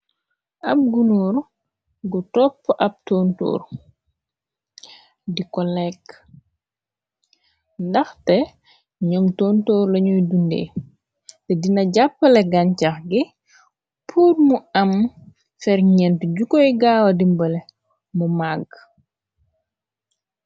Ab gu noor gu toppu ab tontoor di ko lekk ndaxte ñoom tontoor lañuy dundee te dina jàppale gancax gi puormu am fer nent jukoy gaawa dimbale mu magg.